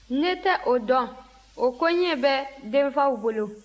ne tɛ o dɔn a koɲɛ bɛ denfaw bolo